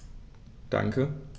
Danke.